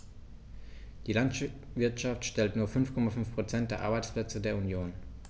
Die Landwirtschaft stellt nur 5,5 % der Arbeitsplätze der Union.